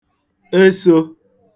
esō